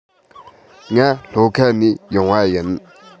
ང ལྷོ ཁ ནས ཡོང པ ཡིན